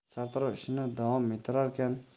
sartarosh ishini davom ettirarkan